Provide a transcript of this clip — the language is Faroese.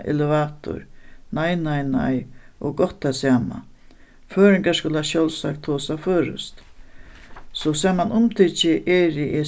elevator nei nei nei og gott tað sama føroyingar skula sjálvsagt tosa føroyskt so samanumtikið eri eg